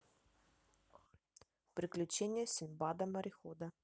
приключения синбада морехода